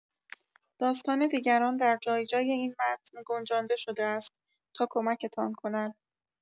داستان دیگران در جای‌جای این متن گنجانده شده است تا کمکتان کند.